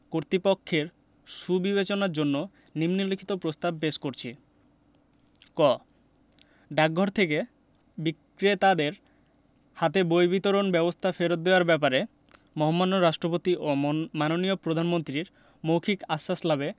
কর্তৃপক্ষের সুবিবেচনার জন্য নিন্ম লিখিত প্রস্তাব পেশ করছি ক ডাকঘর থেকে বিক্রেতাদের হাতে বই বিতরণ ব্যবস্থা ফেরত দেওয়ার ব্যাপারে মহামান্য রাষ্ট্রপতি ও মাননীয় প্রধানমন্ত্রীর মৌখিক আশ্বাস লাভে